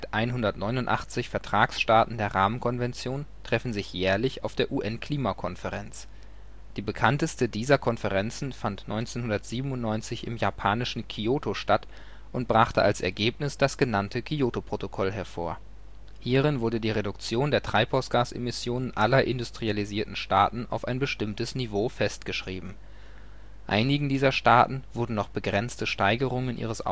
189 Vertragsstaaten der Rahmenkonvention treffen sich jährlich auf der UN-Klimakonferenz. Die bekannteste dieser Konferenzen fand 1997 im japanischen Kyoto statt und brachte als Ergebnis das genannte Kyoto-Protokoll hervor. Hierin wurde die Reduktion der Treibhausgasemissionen aller industrialisierten Staaten auf ein bestimmtes Niveau festgeschrieben. Einigen dieser Staaten wurden noch begrenzte Steigerungen ihres